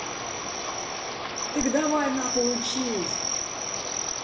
так давай нахуй учись